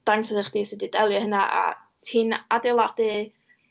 Dangos iddo chdi sut i delio hynna, a ti'n adeiladu...